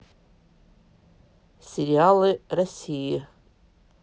сериалы россии